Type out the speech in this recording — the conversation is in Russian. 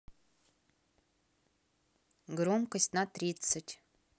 громкость на тридцать